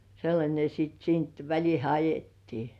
sellainen ja sitten siitä välitse ajettiin